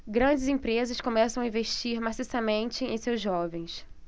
grandes empresas começam a investir maciçamente em seus jovens